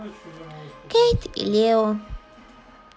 кейт и лео